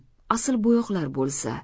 asl bo'yoqlar bo'lsa